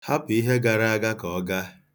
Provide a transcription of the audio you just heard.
Hapu ife galụ aga ka ọ gaa